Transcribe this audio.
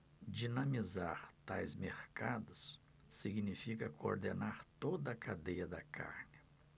dinamizar tais mercados significa coordenar toda a cadeia da carne